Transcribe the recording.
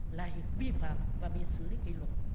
là vi phạm và bị xử lý kỷ luật